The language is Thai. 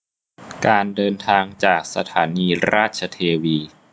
การเดินทางจากสถานีราชเทวี